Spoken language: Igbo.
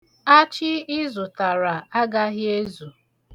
Achị ị zụtara agaghị ezu.